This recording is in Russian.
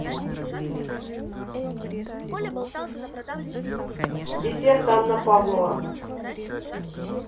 десерт анна павлова